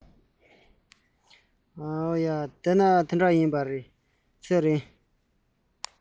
ཨ ལས དེ འདྲ ཡིན པ རེད བཞུགས དགོ